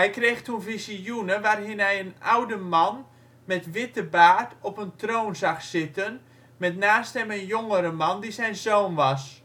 kreeg toen visioenen, waarin hij een oude man met witte baard op een troon zag zitten met naast hem een jongere man, die zijn zoon was